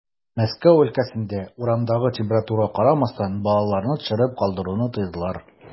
Мәскәү өлкәсендә, урамдагы температурага карамастан, балаларны төшереп калдыруны тыйдылар.